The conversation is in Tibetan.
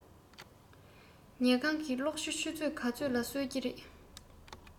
ཉལ ཁང གི གློག ཆུ ཚོད ག ཚོད ལ གསོད ཀྱི རེད